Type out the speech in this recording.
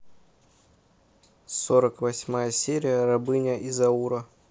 сорок восьмая серия рабыня изаура